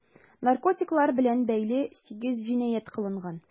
Наркотиклар белән бәйле 8 җинаять кылынган.